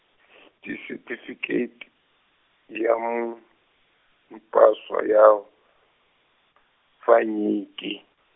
setifi- -tifikheti ya m-, mpaso ya w- , vanyiki.